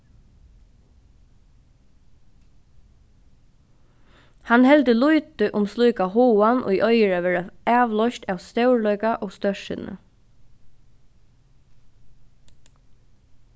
hann heldur lítið um slíka háðan ið eigur at verða avloyst av stórleika og stórsinni